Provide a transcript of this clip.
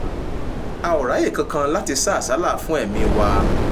A ò ráyè kankan láti sá àsálà fún ẹ̀mí wa.